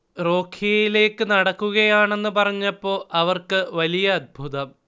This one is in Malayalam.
റോഘിയിലേക്ക് നടക്കുകയാണെന്ന് പറഞ്ഞപ്പോ അവർക്ക് വലിയ അത്ഭുതം